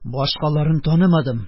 Башкаларын танымадым